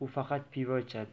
u faqat pivo ichadi